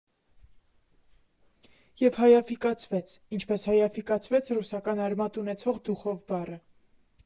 Եվ «հայաֆիկացվեց», ինչպես հայաֆիկացվեց ռուսական արմատ ունեցող «դուխով» բառը։